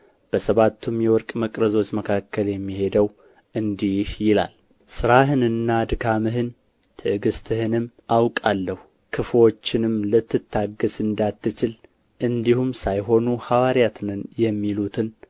በሰባቱም የወርቅ መቅረዞች መካከል የሚሄደው እንዲህ ይላል ሥራህንና ድካምህን ትዕግሥትህንም አውቃለሁ ክፉዎችንም ልትታገሥ እንዳትችል እንዲሁም ሳይሆኑ ሐዋርያት ነን የሚሉቱን